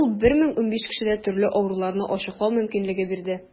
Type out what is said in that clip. Ул 1015 кешедә төрле авыруларны ачыклау мөмкинлеге бирде.